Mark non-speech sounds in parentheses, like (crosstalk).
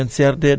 (hesitation) (hesitation)